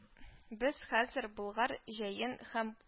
Без хәзер Болгар җәен һәм